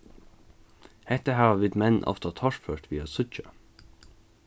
hetta hava vit menn ofta torført við at síggja